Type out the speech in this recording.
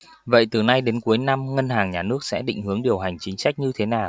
vậy từ nay đến cuối năm ngân hàng nhà nước sẽ định hướng điều hành chính sách như thế nào